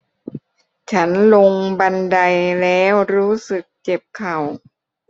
ฉันลงบันไดแล้วรู้สึกเจ็บเข่า